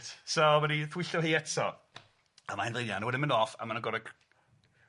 so ma 'di thwytho hi eto a ma'